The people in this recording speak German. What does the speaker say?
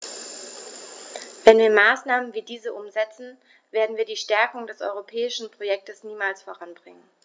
Wenn wir Maßnahmen wie diese umsetzen, werden wir die Stärkung des europäischen Projekts niemals voranbringen.